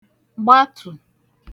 gbatù